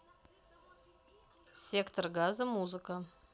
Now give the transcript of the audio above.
сектор газа музыка